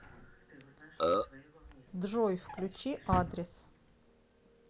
джой включи адрес